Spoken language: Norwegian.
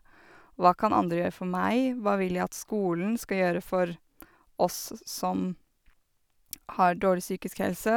Hva kan andre gjøre for meg, hva vil jeg at skolen skal gjøre for oss s som har dårlig psykisk helse.